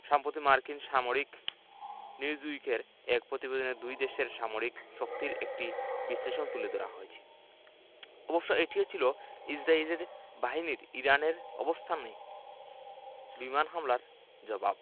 সম্প্রতি মার্কিন সাময়িকী নিউজউইকের এক প্রতিবেদনে দুই দেশের সামরিক শক্তির একটি বিশ্লেষণ তুলে ধরা হয়েছে অবশ্য এটিও ছিল ইসরায়েলি বাহিনীর ইরানের অবস্থানে বিমান হামলার জবাব